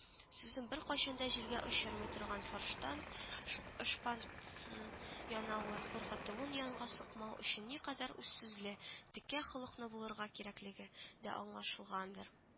Сүзен беркайчан да җилгә очырмый торган Форштант ышышпансын янавы, куркытуын янга сукмау өчен никадәр үзсүзле, текә холыклы булырга кирәклеге дә аңлашылганадыр